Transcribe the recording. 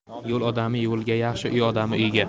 yo'l odami yo'lga yaxshi uy odami uyga